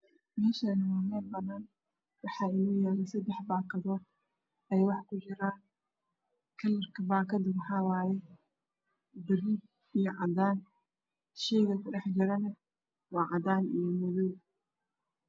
Meeshaani waa meel banaan ah waxaa yaal seddex baakadood ay wax ku dhex jiraan .kalarka baakada waxa waaye gaduud iyo cadaan shayga kudhex jirana waa cadaan iyo madow.